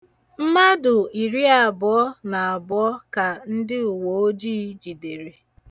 Mmadụ iriabụọ na abụọ ka ndị uweojii jidere.